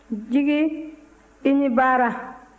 jigi i ni baara